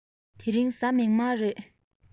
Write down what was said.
དེ རིང གཟའ མིག དམར རེད